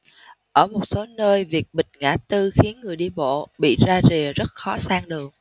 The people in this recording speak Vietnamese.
ở một số nơi việc bịt ngã tư khiến người đi bộ bị ra rìa rất khó sang đường